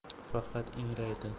faqat ingraydi